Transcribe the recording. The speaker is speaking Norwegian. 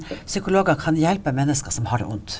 psykologer kan hjelpe mennesker som har ondt.